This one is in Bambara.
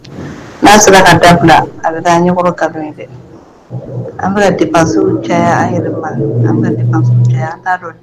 N'a sɔrɔ ka dabila an bɛ taa ka dɛ an ba cɛ